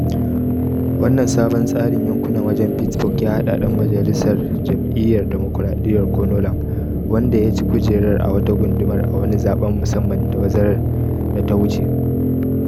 Wannan sabon tsarin yankunan wajen Pittsburg ya haɗa Ɗan Majalisar Jam’iyyar Damokraɗiya Conor Lamb - wanda ya ci kujerar a wata gundumar a wani zaben musamman a bazarar da ta wuce.